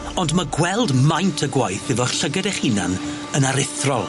ond my' gweld maint y gwaith efo'ch llyged 'ych hunain yn aruthrol.